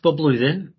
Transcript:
bob blwyddyn.